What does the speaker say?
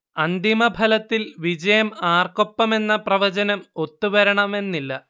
അന്തിമഫലത്തിൽ വിജയം ആർക്കൊപ്പം എന്ന പ്രവചനം ഒത്തുവരണമെന്നില്ല